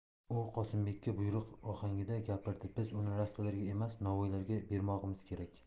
u qosimbekka buyruq ohangida gapirdi biz unni rastalarga emas novvoylarga bermog'imiz kerak